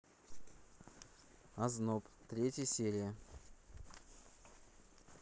озноб третья серия